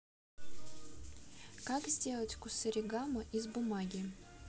как сделать кусаригама из бумаги